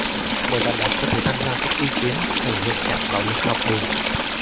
mời bạn đọc có thể tham gia góp ý kiến về hiện trạng bạo lực học đường